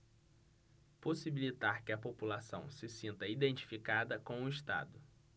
possibilitar que a população se sinta identificada com o estado